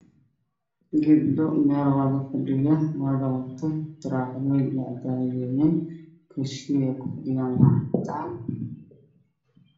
Waa hool waa fadhiya gabdho farabadan waxa ay ku fadhiyaan kuraas fadhi oo cadaan ah waxay wataan xijaabo iyo taroxado